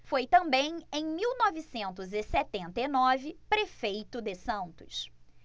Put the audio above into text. foi também em mil novecentos e setenta e nove prefeito de santos